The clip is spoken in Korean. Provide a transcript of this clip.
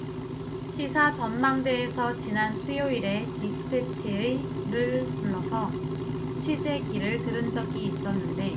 시사전망대에서 지난 수요일에 디스패치의 를 불러서 취재기를 들은 적이 있었는데